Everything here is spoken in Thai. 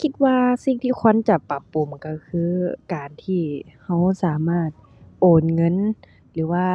คิดว่าสิ่งที่ควรจะปรับปรุงก็คือ การที่ก็สามารถโอนเงินหรือว่า